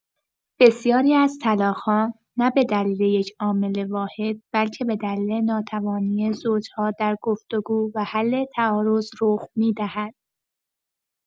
بسیاری از طلاق‌ها نه به دلیل یک عامل واحد، بلکه به‌دلیل ناتوانی زوج‌ها در گفت‌وگو و حل تعارض رخ می‌دهد.